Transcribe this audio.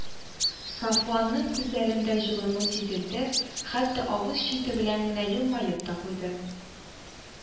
Сафуанның күзләрендә җылыну сизелде, хәтта авыз чите белән генә елмаеп та куйды